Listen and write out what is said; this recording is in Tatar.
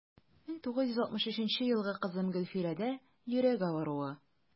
1963 елгы кызым гөлфирәдә йөрәк авыруы.